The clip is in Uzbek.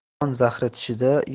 ilon zahri tishida